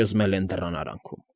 Ճզմել են դռան արանքում։